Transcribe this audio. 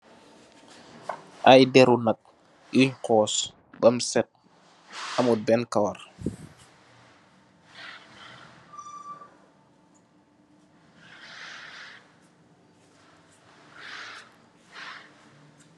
Ay deru nak yun xos bam sèèt , amut benna kawarr.